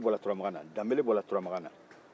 tarawele bɔra turamagan na danbɛlɛ bɔra turamagan na